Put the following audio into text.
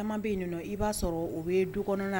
Bɛ yen ninnu i b'a sɔrɔ u bɛ du kɔnɔ